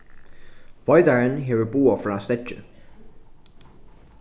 veitarin hevur boðað frá steðgi